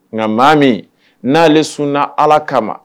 Nka maa min n'ale sunna Ala kama